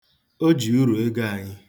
O ji uruego anyị.